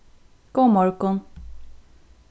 góðan morgun